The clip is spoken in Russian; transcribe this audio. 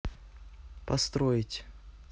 построить